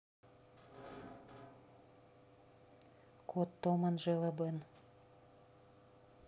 кот том анджела бэн